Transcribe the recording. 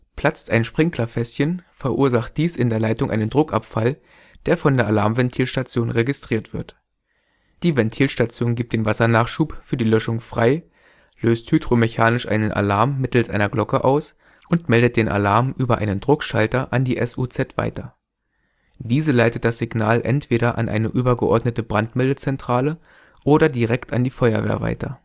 Platzt ein Sprinklerfässchen, verursacht dies in der Leitung einen Druckabfall, der von der Alarmventilstation registriert wird. Die Ventilstation gibt den Wassernachschub für die Löschung frei, löst hydromechanisch einen Alarm mittels einer Glocke aus und meldet den Alarm über einen Druckschalter an die SUZ weiter. Diese leitet das Signal entweder an eine übergeordnete Brandmeldezentrale oder direkt an die Feuerwehr weiter